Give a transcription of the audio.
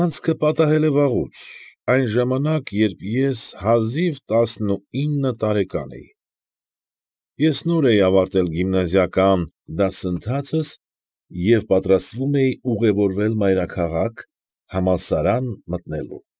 Անցքը պատահել է վաղուց, այն ժամանակ, երբ ես հազիվ տասնուինը տարեկան էի, ես նոր էի ավարտել գիմնազիական դասընթացս և պատրաստվում էի ուղևորվել մայրաքաղաք՝ համալսարան մտնելու։